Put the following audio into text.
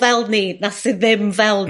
fel ni na sy ddim fel...